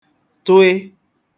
tụị